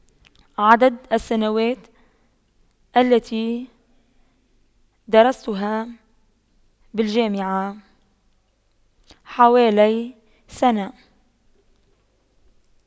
عدد السنوات التي درستها بالجامعة حوالي سنة